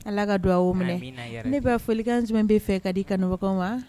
Ala ka duwawu minɛ amina yarabi ne ba folikan jumɛn b'e fɛ k'a di kanubagaw ma